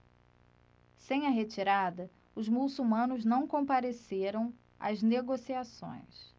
sem a retirada os muçulmanos não compareceram às negociações